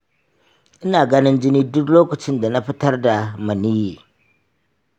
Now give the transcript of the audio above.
ina ganin jini duk lokacin da na fitar da maniyyi.